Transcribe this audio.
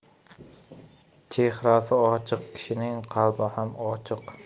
chehrasi ochiq kishining qalbi ham ochiq